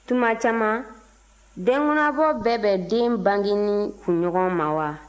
tuma caman den kunnabɔ bɛ bɛn den bangeli kunɲɔgɔn ma wa